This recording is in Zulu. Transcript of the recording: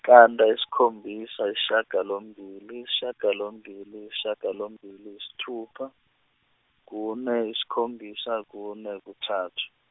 qanda, yisikhombisa, yishagalombili, yishagalombili, yishagalombili, isithupha, kune, isikhombisa, kune, kuthathu.